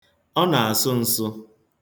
Ọ na-asụ nsụ.